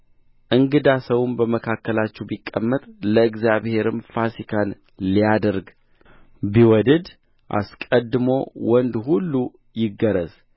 እንግዳ ሰውም በመካከላችሁ ቢቀመጥ ለእግዚአብሔርም ፋሲካን ሊያደርግ ቢወድድ አስቀድሞ ወንድ ሁሉ ይገረዝ